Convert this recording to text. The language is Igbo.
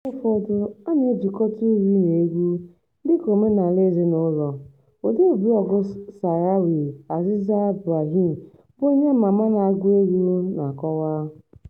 Mgbe ụfọdụ, a na-ejikọta uri na egwu dị ka omenala ezinụlọ, odee blọọgụ Sahrawi, Aziza Brahim, bụ onye ama ama na-agụ egwú na-akọwa.